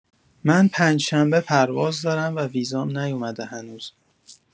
من پنجشنبه پرواز دارم و ویزام نیومده هنوز